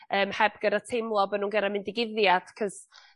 yym heb gor'o' teimlo bo' nw'n gor'o' mynd i guddiad 'c'os